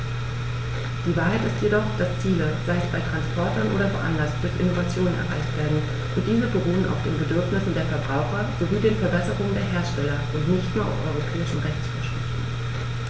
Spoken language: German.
Die Wahrheit ist jedoch, dass Ziele, sei es bei Transportern oder woanders, durch Innovationen erreicht werden, und diese beruhen auf den Bedürfnissen der Verbraucher sowie den Verbesserungen der Hersteller und nicht nur auf europäischen Rechtsvorschriften.